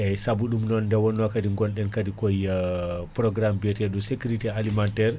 eyyi saabu ɗum non nde wonno kaadi gonɗen kaadi kooye programme, biyateɗo sécurité, alimentaire